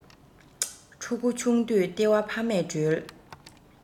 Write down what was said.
ཕྲུ གུ ཆུང དུས ལྟེ བ ཕ མས སྒྲོལ